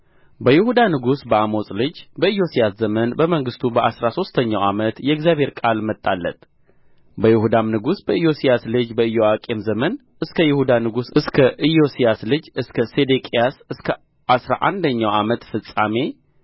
በይሁዳም ንጉሥ በኢዮስያስ ልጅ በኢዮአቄም ዘመን እስከ ይሁዳ ንጉሥ እስከ ኢዮስያስ ልጅ እስከ ሴዴቅያስ እስከ አሥራ አንደኛው ዓመት ፍጻሜ